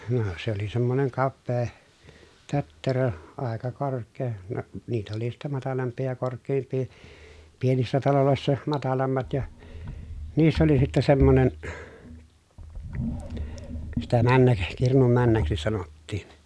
no se oli semmoinen kapea tötterö aika korkea no niitä oli sitten matalampia ja korkeampia pienissä taloissa matalammat ja niissä oli sitten semmoinen sitä - kirnun männäksi sanottiin